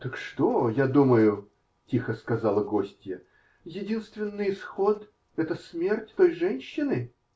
-- Так что, я думаю, -- тихо сказала гостья, -- единственный исход -- это смерть той женщины?